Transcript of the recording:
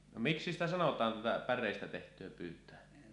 no miksi sitä sanotaan tätä päreistä tehtyä pyytöä